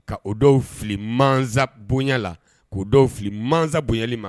Ka o dɔw fili mansa bonya la k'o dɔw fili mansa boli ma.